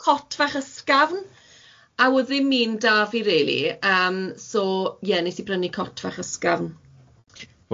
cot fach ysgafn, a o'dd ddim un 'da fi rili, yym so ie 'nes i brynu cot fach ysgafn.